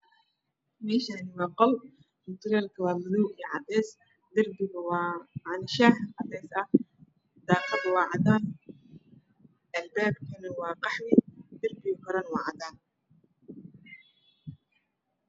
Meeahani waa qol mutulel waa madow iyo cadaan darbigu waa caano shaah daaqadu waa cadaan albaabkana waa qaxwi darbiga korana waa cadaan